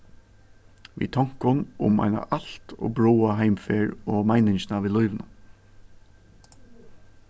við tonkum um eina alt ov bráða heimferð og meiningina við lívinum